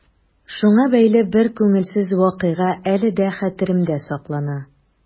Шуңа бәйле бер күңелсез вакыйга әле дә хәтеремдә саклана.